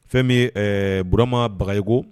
Fɛn bɛ burama bagayiko